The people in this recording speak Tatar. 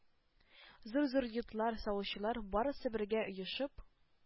Зур-зур йортлар салучылар, барысы бергә оешып,